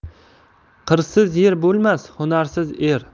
qirsiz yer bo'lmas hunarsiz er